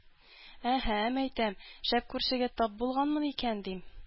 Әһә, мәйтәм, шәп күршегә тап булганмын икән, дим.